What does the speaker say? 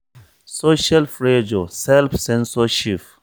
Social pressure, self-censorship